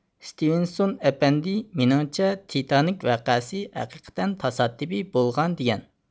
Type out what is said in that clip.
ستېۋېنسون ئەپەندى مېنىڭچە تىتانىك ۋەقەسى ھەقىقەتەن تاسادىپىي بولغان دېگەن